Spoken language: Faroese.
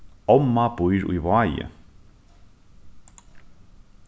omma býr í vági